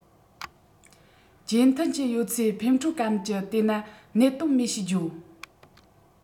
རྗེས མཐུད ཀྱི ཡོད ཚད ཕུས ཁྲོ གམ གྱིས དེ ན གནད དོན མེད ཞེས བརྗོད